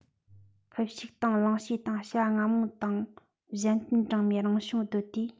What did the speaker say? ཁུ བྱུག དང གླང བྱེའུ དང བྱ རྔ མོང དང གཞན རྟེན སྦྲང མའི རང བྱུང གདོད ནུས